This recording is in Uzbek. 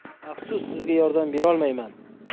afsus sizga yordam berolmayman